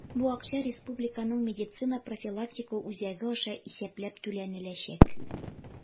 Бу акча Республиканың медицина профилактикалау үзәге аша исәпләп түләнеләчәк.